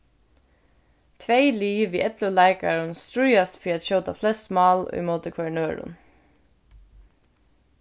tvey lið við ellivu leikarum stríðast fyri at skjóta flest mál ímóti hvørjum øðrum